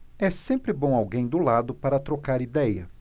é sempre bom alguém do lado para trocar idéia